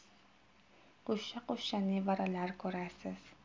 qo'sha qo'sha nevaralar ko'rasiz